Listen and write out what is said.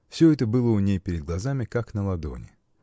Всё это было у ней перед глазами, как на ладони.